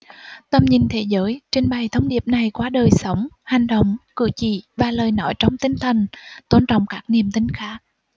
tầm nhìn thế giới trình bày thông điệp này qua đời sống hành động cử chỉ và lời nói trong tinh thần tôn trọng các niềm tin khác